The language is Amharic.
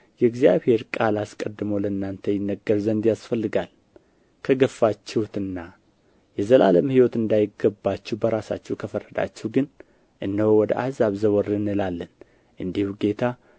የእግዚአብሔር ቃል አስቀድሞ ለእናንተ ይነገር ዘንድ ያስፈልጋል ከገፋችሁትና የዘላለም ሕይወት እንዳይገባችሁ በራሳችሁ ከፈረዳችሁ ግን እነሆ ወደ አሕዛብ ዘወር እንላለን እንዲሁ ጌታ